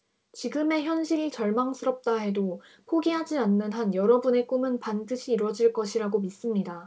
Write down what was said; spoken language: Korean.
지금의 현실이 절망스럽다 해도 포기하지 않는 한 여러분의 꿈은 반드시 이뤄질 것이라고 믿습니다